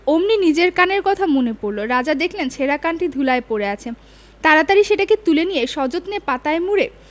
অমনি নিজের কানের কথা মনে পড়ল রাজা দেখলেন ছেঁড়া কানটি ধূলায় পড়ে আছে তাড়াতাড়ি সেটিকে তুলে নিয়ে সযত্নে পাতায় মুড়ে